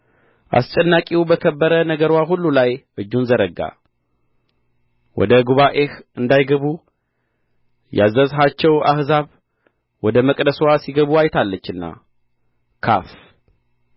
አስጨናቂው በከበረ ነገርዋ ሁሉ ላይ እጁን ዘረጋ ወደ ጉባኤህ እንዳይገቡ ያዘዝሃቸው አሕዛብ ወደ መቅደስዋ ሲገቡ አይታለችና ካፍ